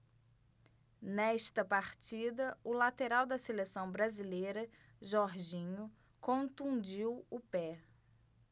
nesta partida o lateral da seleção brasileira jorginho contundiu o pé